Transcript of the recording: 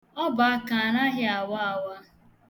Obọaka anaghị awa awa.